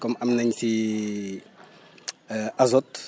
comme am nañ fi azote